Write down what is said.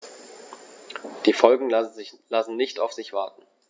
Die Folgen lassen nicht auf sich warten.